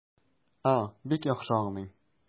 А, бик яхшы аңлыйм.